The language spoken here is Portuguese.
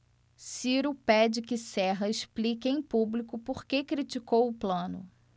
ciro pede que serra explique em público por que criticou plano